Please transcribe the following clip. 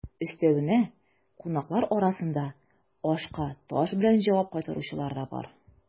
Өстәвенә, кунаклар арасында ашка таш белән җавап кайтаручылар да бар.